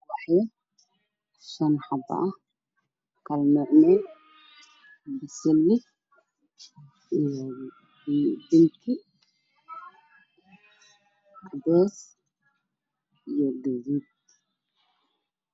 Ubaxyo shan xabo kalanuc ah baseli io binki cades io gaduud